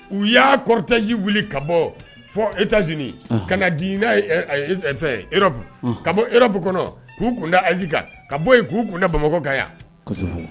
U y'a kɔrɔtɛsi wili ka bɔ fɔ eta z ka na di n'arɔ ka bɔrɔbu kɔnɔ k'u kun da ayiz ka bɔ k'u kun da bamakɔ ka yan